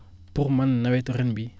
pour man nawetu ren bii